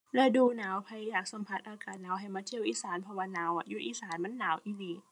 ฤดูหนาว ไผอยากสัมผัสอากาศหนาวให้มาเที่ยวอีสาน เพราะว่าหนาวอะ อยู่อีสานมันหนาวอีหลี